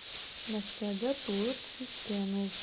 Мәскәүдә туып үскән ул.